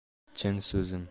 chin so'zim